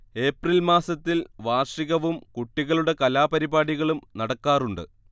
April മാസത്തിൽ വാർഷികവും കുട്ടികളുടെ കലാപരിപാടികളും നടക്കാറുണ്ട്